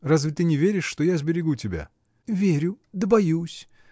Разве ты не веришь, что я сберегу тебя? — Верю, да боюсь.